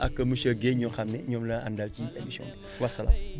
ak monsieur Guèye ñoo xam ne ñoom laa àndal ci émission bi wa salaam